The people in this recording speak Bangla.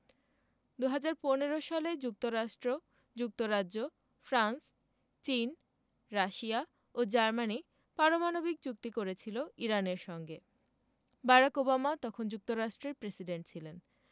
২০১৫ সালে যুক্তরাষ্ট্র যুক্তরাজ্য ফ্রান্স চীন রাশিয়া ও জার্মানি পারমাণবিক চুক্তি করেছিল ইরানের সঙ্গে বারাক ওবামা তখন যুক্তরাষ্ট্রের প্রেসিডেন্ট ছিলেন